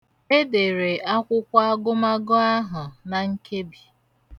E dere akwụkwọ agụmaagụ ahụ na nkebi.